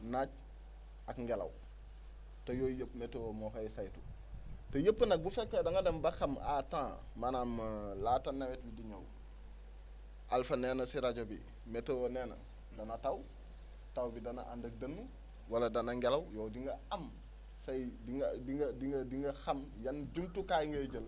naaj ak ngelaw te yooyu yëpp météo moo koy saytu te yëpp nag bu fekkee da nga dem ba xam à temps maanaam laata nawet bi di ñëw Alpha nee na si rajo bi météo nee na dana taw taw bi dana ànd ak dënnu wala dana ngelaw yow di nga am say di nga di nga di nga di nga xam yan jumtukaay ngay jël